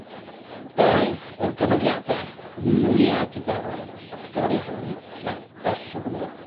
Dou o gymeriade mwya diddorol y stori hon heb os o gwbwl